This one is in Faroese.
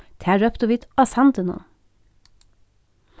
tað róptu vit á sandinum